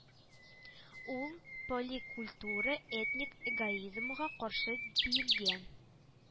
Ул поликультура этник эгоизмга каршы диелгән